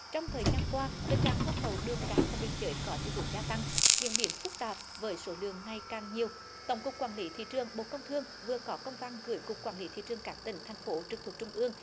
trong thời gian qua tình trạng buôn lậu đường cát qua biên giới có chiều hướng gia tăng diễn biến phức tạp với số lượng ngày càng nhiều tổng cục quản lý thị trường bộ công thương vừa có công văn gửi cục quản lý thị trường các tỉnh thành phố trực thuộc trung ương